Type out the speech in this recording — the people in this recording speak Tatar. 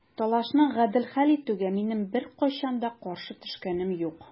Талашны гадел хәл итүгә минем беркайчан да каршы төшкәнем юк.